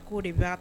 Ko de b'a